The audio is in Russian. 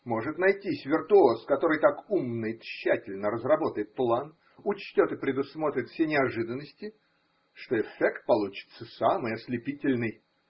Может найтись виртуоз, который так умно и тщательно разработает план, учтет и предусмотрит все неожиданности, что эффект получится самый ослепительный.